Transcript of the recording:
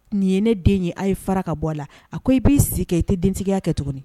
Nin ye ne den ye a' ye fara ka bɔ a la a ko i b'i sigi kɛ i tɛ denya kɛ tuguni